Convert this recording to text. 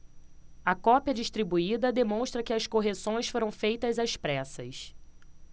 a cópia distribuída demonstra que as correções foram feitas às pressas